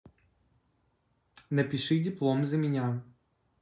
напиши диплом за меня